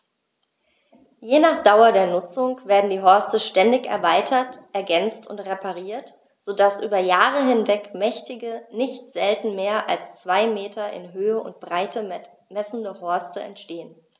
Je nach Dauer der Nutzung werden die Horste ständig erweitert, ergänzt und repariert, so dass über Jahre hinweg mächtige, nicht selten mehr als zwei Meter in Höhe und Breite messende Horste entstehen.